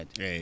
eeyi